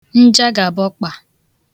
njagàbaọkpà